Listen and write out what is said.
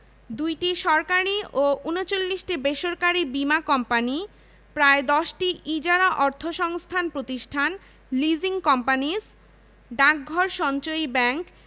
২টি সরকারি ও ৩৯টি বেসরকারি বীমা কোম্পানি প্রায় ১০টি ইজারা অর্থসংস্থান প্রতিষ্ঠান লিজিং কোম্পানিস ডাকঘর সঞ্চয়ী ব্যাংক